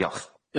Diolch.